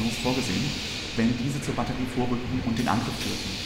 vorgesehen, wenn diese zur Batterie vorrückten und den Angriff führten